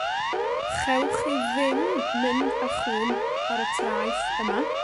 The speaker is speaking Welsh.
Chewch chi ddim mynd â chŵn ar y traeth yma